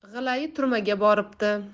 g'ilayi turmaga boribdi